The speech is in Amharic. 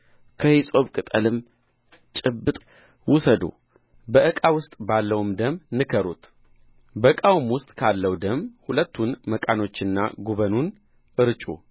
ከሂሶጵ ቅጠልም ጭብጥ ውሰዱ በዕቃ ውስጥ ባለውም ደም ንከሩት በዕቃውም ውስጥ ካለው ደም ሁለቱን መቃኖችና ጉበኑን እርጩ